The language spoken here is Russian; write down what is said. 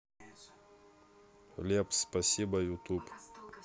лепс спасибо ютуб